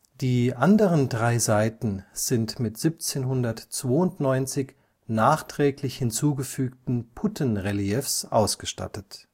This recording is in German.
Die anderen drei Seiten sind mit 1792 nachträglich hinzugefügten Puttenreliefs ausgestattet